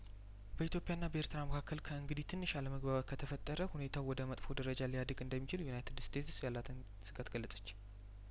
በኢትዮጵያና በኤርትራ መካከል ከእንግዲህ ትንሽ አለመግባባት ከተፈጠረ ሁኔታው ወደ መጥፎ ደረጃ ሊያድግ እንደሚችል ዩናይትድ ስቴትስ ያላትን ስጋት ገለጸች